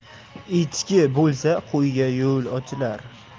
echki bo'lsa qo'yga yo'l ochilar